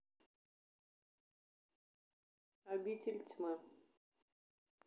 обитель тьмы